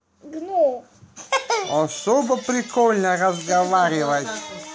особо прикольно разговаривать